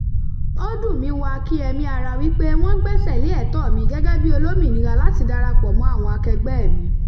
Ó dùn mí wọ akínyẹmí ara wípé wọ́n gbẹ́sẹ̀ lé ẹ̀tọ́ọ mi gẹ́gẹ́ bí olómìnira láti darapọ̀ mọ́ àwọn akẹgbẹ́ẹ̀ mi.